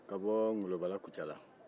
ka bɔ ngolobala kucala